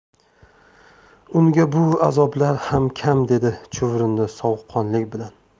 unga bu azoblar ham kam dedi chuvrindi sovuqqonlik bilan